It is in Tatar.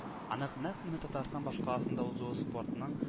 Анык нәкъ менә Татарстан башкаласында узуы спортның